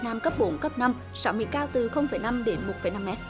nam cấp bốn cấp năm sóng biển cao từ không phẩy năm đến một phẩy năm mé